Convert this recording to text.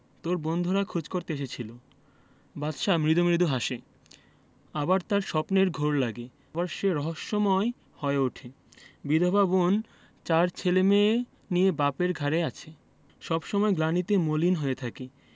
তোর বন্ধুরা খোঁজ করতে এসেছিলো বাদশা মৃদু মৃদু হাসে আবার তার স্বপ্নের ঘোর লাগে আবার সে রহস্যময় হয়ে উঠে বিধবা বোন চার ছেলেমেয়ে নিয়ে বাপের ঘাড়ে আছে সব সময় গ্লানিতে মলিন হয়ে থাকি